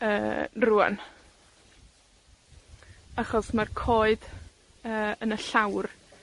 yy, rŵan. Achos ma'r coed, yy, yn y llawr,